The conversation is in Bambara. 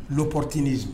ptinin